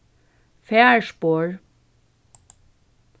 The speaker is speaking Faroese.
farspor